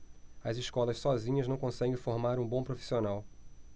as escolas sozinhas não conseguem formar um bom profissional